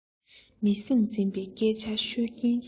མི སེམས འཛིན པའི སྐད ཆ ཤོད ཀྱིན སོང